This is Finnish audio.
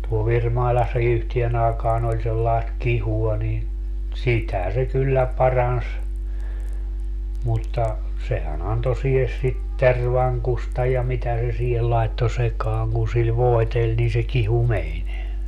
tuolla Virmailassa yhteen aikaan oli sellaista kihua niin sitä se kyllä paransi mutta sehän antoi siihen sitä tervankusta ja mitä se siihen laittoi sekaan kun sillä voiteli niin se kihu meni